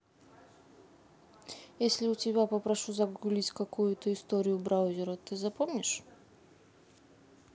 если у тебя попрошу загуглить какую то историю браузера ты запомнишь